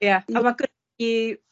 Ie, a ma' golygu